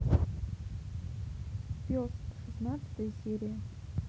пес шестнадцатая серия